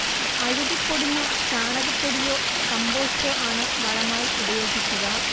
അഴുകിപ്പൊടിഞ്ഞ ചാണകപ്പൊടിയോ കമ്പോസ്റ്റോ ആണു് വളമായി ഉപയോഗിക്കുക